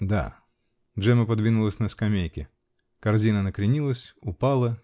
-- Да. Джемма подвинулась на скамейке. Корзина накренилась, упала.